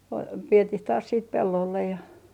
- vietiin taas sitten pellolle ja